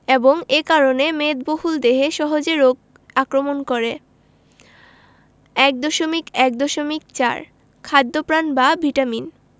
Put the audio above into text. এবং এ কারণে মেদবহুল দেহে সহজে রোগ আক্রমণ করে ১ দশমিক ১ দশমিক ৪ খাদ্যপ্রাণ বা ভিটামিন